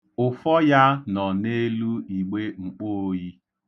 Ụfọ ya nọ n'elu igbe mkpooyi.